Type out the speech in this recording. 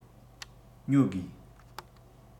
ཉོ དགོས